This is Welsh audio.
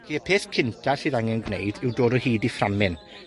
'Lly peth cynta sydd angen gwneud yw dod o hyd i fframyn.